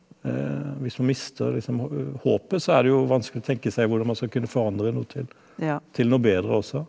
hvis man mister liksom håpet så er det jo vanskelig å tenke seg hvordan man skal forandre noe til til noe bedre også.